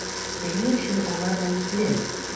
Ә ни өчен алар гаепле?